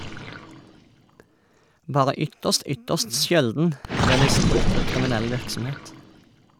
Bare ytterst, ytterst sjelden blir disse brukt til kriminell virksomhet.